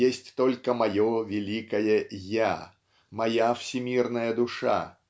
Есть только мое великое я, моя всемирная душа.